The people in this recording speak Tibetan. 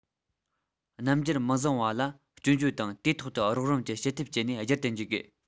རྣམ འགྱུར མི བཟང བ ལ སྐྱོན བརྗོད དང དུས ཐོག ཏུ རོགས རམ གྱི བྱེད ཐབས སྤྱད ནས བསྒྱུར དུ འཇུག དགོས